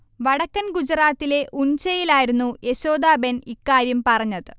വടക്കൻ ഗുജറാത്തിലെ ഉൺചയിലായിരുന്നു യശോദാ ബെൻ ഇക്കാര്യം പറഞ്ഞത്